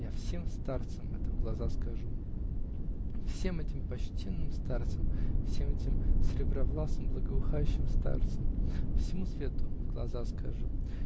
Я всем старцам это в глаза скажу, всем этим почтенным старцам, всем этим сребровласым и благоухающим старцам! Всему свету в глаза скажу!